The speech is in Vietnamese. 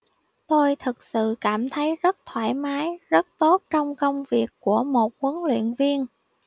tôi thật sự cảm thấy rất thoải mái rất tốt trong công việc của một huấn luyện viên